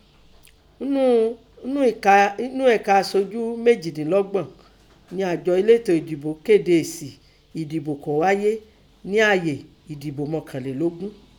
Ńnú ẹ̀ka asojú méjìlélọ́gbọ̀n nẹ àjọ elétò èdìbò kéde èsì èdìbò kọ́ háyé nẹ́ ààyè ẹ̀dìbò mọ́kànélógún.